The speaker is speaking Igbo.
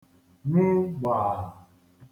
nwu gbàà